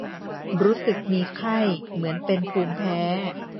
รู้สึกมีไข้เหมือนเป็นภูมิแพ้